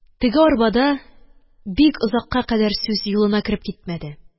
Теге арбада бик озакка кадәр сүз юлына кереп китмәде